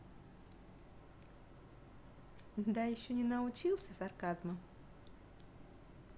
да еще не научился сарказма